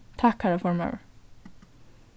takk harra formaður